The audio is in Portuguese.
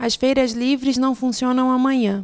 as feiras livres não funcionam amanhã